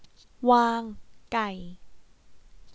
วางไก่